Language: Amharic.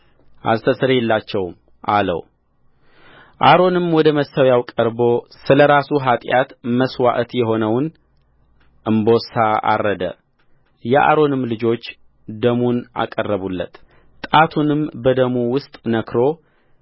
አስተስርይላቸውም አለውአሮንም ወደ መሠዊያው ቀርቦ ስለ ራሱ ኃጢአት መሥዋዕት የሆነውን እምቦሳ አረደየአሮንም ልጆች ደሙን አቀረቡለት ጣቱንም በደሙ ውስጥ ነክሮ